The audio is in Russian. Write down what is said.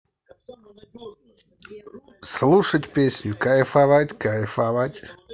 слушать песню кайфовать кайфовать